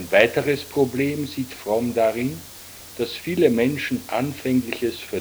weiteres Problem sieht Fromm darin, dass viele Menschen anfängliches